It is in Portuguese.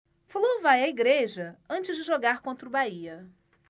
flu vai à igreja antes de jogar contra o bahia